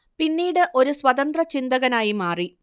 പിന്നീട് ഒരു സ്വതന്ത്ര ചിന്തകനായി മാറി